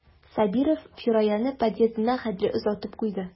Сабиров Фираяны подъездына хәтле озатып куйды.